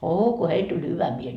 oo kun heille tuli hyvä mieli